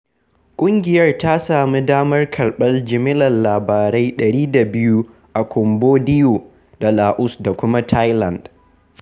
ƙungiyar ta sami damar karɓar jimillar labarai 102 a Cambodiyo da Laos da kuma Thailand.